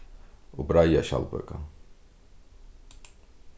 og breiða skjaldbøkan